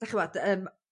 dych ch'mod yym